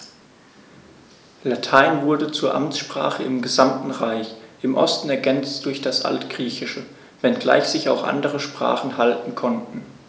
Latein wurde zur Amtssprache im gesamten Reich (im Osten ergänzt durch das Altgriechische), wenngleich sich auch andere Sprachen halten konnten.